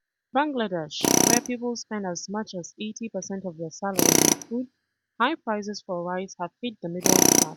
In Bangladesh, where people spend as much as 80% of their salaries on food, high prices for rice have hit the middle class.